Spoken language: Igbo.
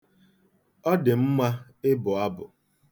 Ọ dị mma ịbụ abụ.